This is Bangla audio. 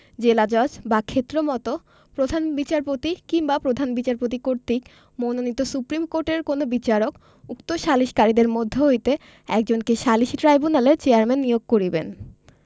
জেলাজজ বা ক্ষেত্রমত প্রধান বিচারপত কিংবা প্রধান বিচারপতি কর্তৃক মানোনীত সুপ্রীম কোর্টের কোন বিচারক উক্ত সালিসকারীদের মধ্য হইতে একজনকে সালিসী ট্রাইব্যুনালের চেযারম্যান নিয়োগ করিবেন